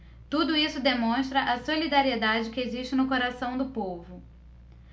tudo isso demonstra a solidariedade que existe no coração do povo